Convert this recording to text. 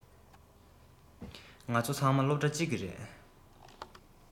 ང ཚོ ཚང མ སློབ གྲྭ གཅིག གི རེད